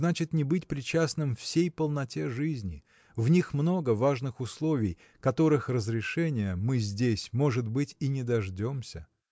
значит не быть причастным всей полноте жизни в них много важных условий которых разрешения мы здесь может быть и не дождемся.